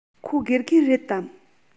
ཁོ དགེ རྒན རེད དམ